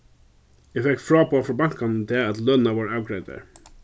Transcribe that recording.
eg fekk fráboðan frá bankanum í dag at lønirnar vóru avgreiddar